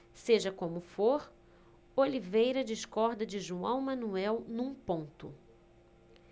seja como for oliveira discorda de joão manuel num ponto